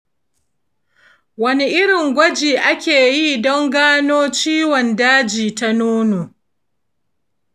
wane irin gwaji ake yi don gano ciwon daji ta nono?